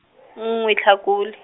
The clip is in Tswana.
nngwe Tlhakole.